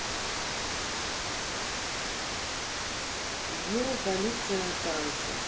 йол полиция танцев